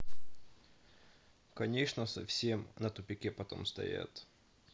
конечно совсем на тупике потом стоят